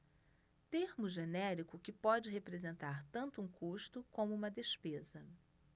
termo genérico que pode representar tanto um custo como uma despesa